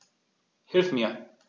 Hilf mir!